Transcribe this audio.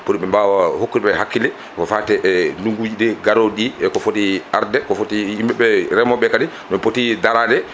pour ɓe mbawa hokkude ɓe hakkille ko fate e ndunguji ɗi garɗɗi eko foti arde ko foti yimɓeɓe reemoɓeɓe kadi no poti daarade